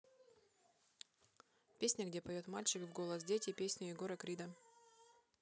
песня где поет мальчик в голос дети песню егора крида